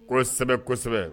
Kosɛbɛ kosɛbɛ